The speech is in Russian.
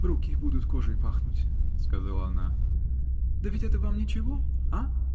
-- Руки будут кожей пахнуть, -- сказала она, -- да ведь это вам ничего? А?.